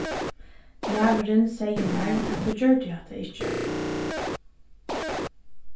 maðurin segði mær at tú gjørdi hatta ikki